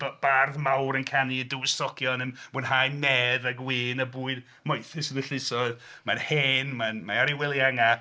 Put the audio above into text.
..Bardd mawr yn canu i dywysogion yn mwynhau medd a gwin a bwyd moethus yn y llysoedd, mae'n hen, mae'n... mae o ar ei wely angau